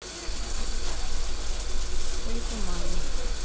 paper money